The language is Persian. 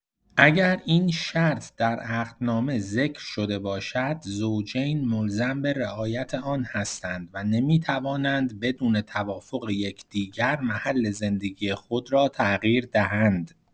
اگر این شرط در عقدنامه ذکر شده باشد، زوجین ملزم به رعایت آن هستند و نمی‌توانند بدون توافق یکدیگر، محل زندگی خود را تغییر دهند.